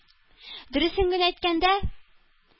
Дөресен генә әйткәндә,